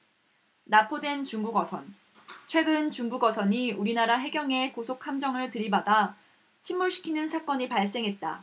나포된 중국어선 최근 중국 어선이 우리나라 해경의 고속함정을 들이받아 침몰시키는 사건이 발생했다